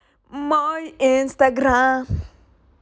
мой инстаграм